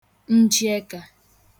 njieka